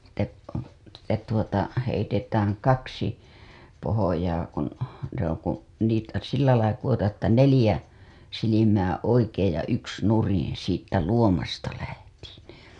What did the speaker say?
sitten tuota sitten tuota heitetään kaksi pohjaa kun se on kun niitä sillä lailla kudotaan että neljä silmää oikein ja yksi nurin siitä luomasta lähtien